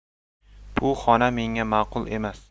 bu xona menga ma'qul emas